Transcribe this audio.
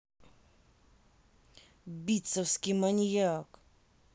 битцевский маньяк